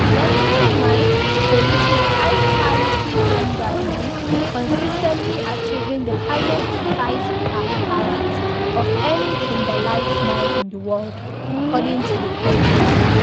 Letšeng mine produces high-quality gem diamonds, consistently achieving the highest price per carat of any kimberlite mine in the world, according to the company.